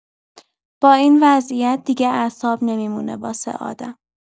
با این وضعیت دیگه اعصاب نمی‌مونه واسه آدم.